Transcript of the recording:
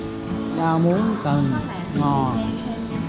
có rau muống cần ngò